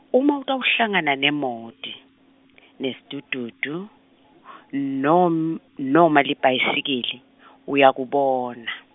uma utawuhlangana nemoto, nesidududu , nom- noma nelibhayisikili uyakubona.